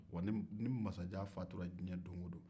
wa ni masajan fatura diɲɛ don wo don